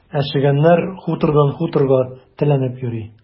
Ә чегәннәр хутордан хуторга теләнеп йөри.